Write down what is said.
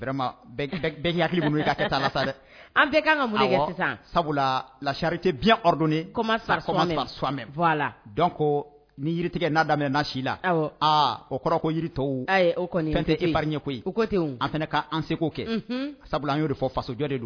An ka sabula lari tɛ biyan ko ko ni tigɛ n'a daminɛ na si la o kɔrɔ jiri tɔw kɔni tɛ eri koyi kote an fana k'an segu kɛ sabula an y'o fɔ fasojɔ de don